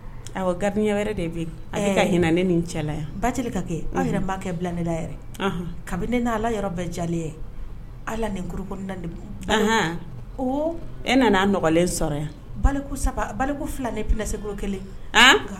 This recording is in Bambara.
Hinɛ ne ni cɛ ba' bila ne kabini ne n yɔrɔ bɛɛ ja ye ala kuru e nana a nɔgɔlen sɔrɔ yanko fila pse kelen